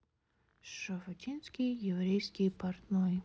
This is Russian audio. шуфутинский еврейский портной